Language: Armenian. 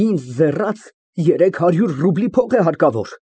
Ինձ ձեռաց երեք հարյուր ռուբլի փող է հարկավոր։